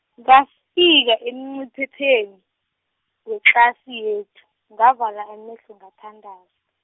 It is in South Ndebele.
ngafika emciphepheni wetlasi yethu, ngavala amehlo ngathandaz-.